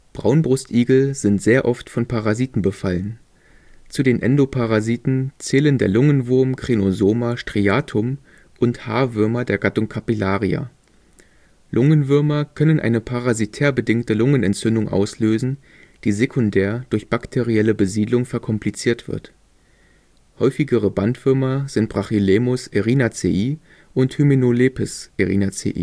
Braunbrustigel sind sehr oft von Parasiten befallen. Zu den Endoparasiten zählen der Lungenwurm Crenosoma striatum und Haarwürmer der Gattung Capillaria. Lungenwürmer können eine parasitär bedingte Lungenentzündung auslösen, die sekundär durch bakterielle Besiedlung verkompliziert wird. Häufigere Bandwürmer sind Brachylaemus erinacei und Hymenolepis erinacei